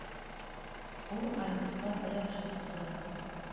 Ул Альбуска таякчык суза.